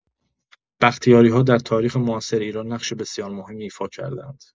بختیاری‌ها در تاریخ معاصر ایران نقش بسیار مهمی ایفا کرده‌اند.